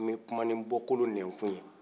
n be kuma ni bɔ kolo nɛ kun ye